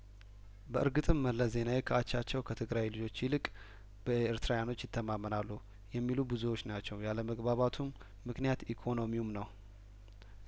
በእርግጥም መለስ ዜናዊ ከአቻቸው ከትግራይ ልጆች ይልቅ በኤርትራኖች ይተማመናሉ የሚሉ ብዙዎች ናቸው ያለመግባባቱም ምክንያት ኢኮኖሚውም ነው